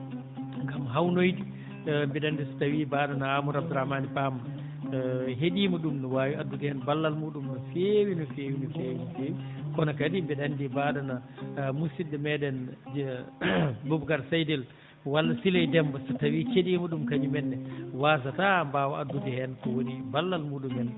ngam hawnoyde mbiɗa anndi so tawii mbaaɗo no Amadou Abdourahmane Pam heɗiima ɗum no waawi addude heen ballal muɗum no feewi no feewi no feewi no feewi kono kadi mbiɗa anndi mbaaɗo no musidɗo meɗen Boubacara Seydel walla siley Demba so tawii keɗiima ɗum kañum en ne waasataa mbaawa addue heen ko woni ballal muɗumen